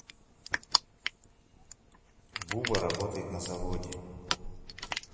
буба работает на заводе